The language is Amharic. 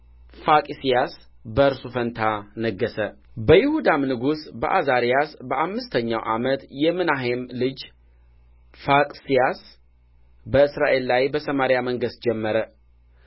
ፋቂስያስ በእርሱ ፋንታ ነገሠ በይሁዳ ንጉሥ በዓዛርያስ በአምሳኛው ዓመት የምናሔም ልጅ ፋቂስያስ በእስራኤል ላይ በሰማርያ መንገሥ ጀመረ